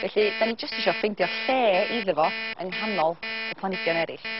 felly 'dan ni jyst isio ffeindio lle iddo fo yng nghanol y planigion eryll.